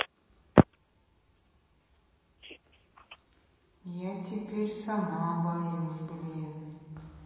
я теперь сама боюсь блин